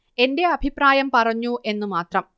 എന്റെ അഭിപ്രായം പറഞ്ഞു എന്നു മാത്രം